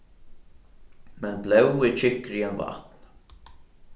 men blóð er tjykkri enn vatn